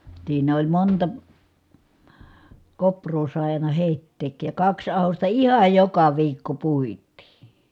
siinä oli monta kouraa sai aina heittääkin ja kaksi ahdosta ihan joka viikko puitiin